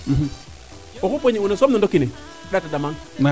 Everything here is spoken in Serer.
oxu poñe una soom na ndoki ne a ndata damaang